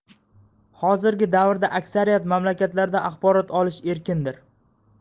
hozirgi davrda aksariyat mamlakatlarda axborot olish erkindir